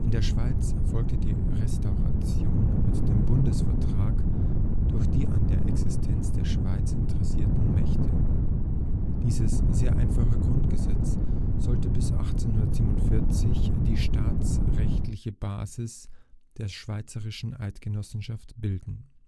der Schweiz folgte die Restauration mit dem Bundesvertrag durch die an der Existenz der Schweiz interessierten Mächte. Dieses sehr einfache Grundgesetz sollte bis 1847 die staatsrechtliche Basis der Schweizerischen Eidgenossenschaft bilden